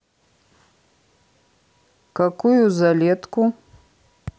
какую залетку